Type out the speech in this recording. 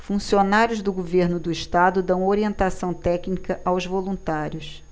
funcionários do governo do estado dão orientação técnica aos voluntários